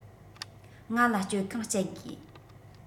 ང ལ སྤྱོད ཁང གཅད དགོས